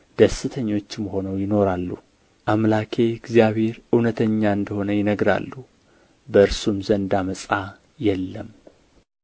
ደስተኞችም ሆነው ይኖራሉ አምላኬ እግዚአብሔር እውነተኛ እንደ ሆነ ይነግራሉ በእርሱም ዘንድ ዓመፃ የለም